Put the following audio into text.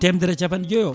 temedere e capanɗe jooyi o